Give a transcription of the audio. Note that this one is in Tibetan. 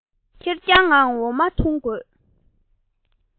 སྐབས འགར གྲོད པ ལྟོགས པའི སྐབས སུ